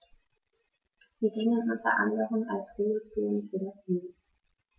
Sie dienen unter anderem als Ruhezonen für das Wild.